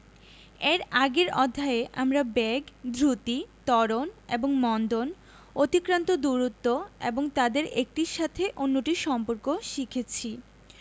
এর আগের অধ্যায়ে আমরা বেগ দ্রুতি ত্বরণ এবং মন্দন অতিক্রান্ত দূরত্ব এবং তাদের একটির সাথে অন্যটির সম্পর্ক শিখেছি